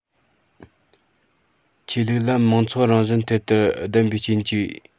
ཆོས ལུགས ལ མང ཚོགས རང བཞིན དེ ལྟར ལྡན པའི རྐྱེན གྱིས